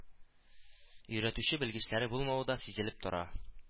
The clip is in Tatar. Өйрәтүче белгечләре булмавы да сизелеп тора